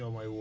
waaw